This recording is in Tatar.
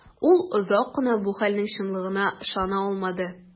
Ул озак кына бу хәлнең чынлыгына ышана алмады.